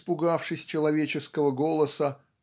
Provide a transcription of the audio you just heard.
испугавшись человеческого голоса